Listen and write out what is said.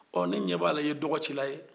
ɔ ne ɲɛ b'a la e ye dɔgɔcila ye